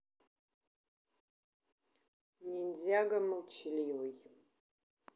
ниндзяго молчаливый